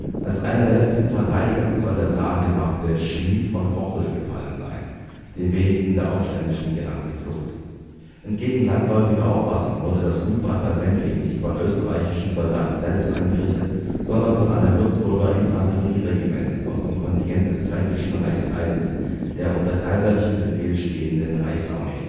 Als einer der letzten Verteidiger soll der sagenhafte „ Schmied von Kochel “gefallen sein. Den wenigsten der Aufständischen gelang die Flucht. Entgegen landläufiger Auffassung wurde das Blutbad bei Sendling nicht von österreichischen Soldaten selbst angerichtet, sondern von einem Würzburger Infanterieregiment aus dem Kontingent des fränkischen Reichskreises der unter kaiserlichem Befehl stehenden Reichsarmee